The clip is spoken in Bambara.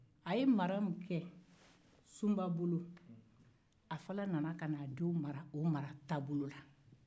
a ye mara min kɛ sunaba bolo a fana nana denw marar o cogo la